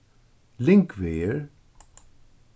lyngvegur